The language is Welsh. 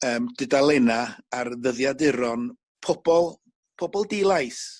yym dudalena ar ddyddiaduron pobol pobol di-lais